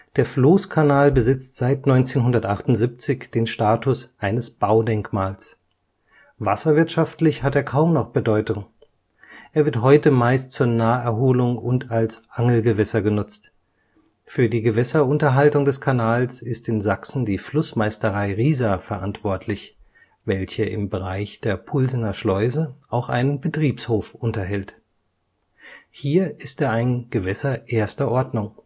Der Floßkanal besitzt seit 1978 den Status eines Baudenkmals. Wasserwirtschaftlich hat er kaum noch Bedeutung. Er wird heute meist zur Naherholung und als Angelgewässer genutzt. Für die Gewässerunterhaltung des Kanals ist in Sachsen die Flussmeisterei Riesa verantwortlich, welche im Bereich der Pulsener Schleuse auch einen Betriebshof unterhält. Hier ist er ein Gewässer I. Ordnung